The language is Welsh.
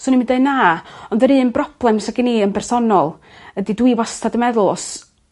swn i'm yn deu na ond yr un broblem sy gin i yn bersonol ydi dwi wastad yn meddwl os